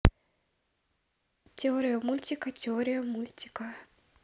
теория мультика теория мультика